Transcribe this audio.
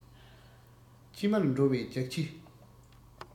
ཕྱི མར འགྲོ བའི རྒྱགས ཕྱེ